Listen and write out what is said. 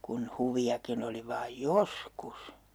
kun huviakin oli vain joskus